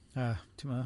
Yy, ti'bod.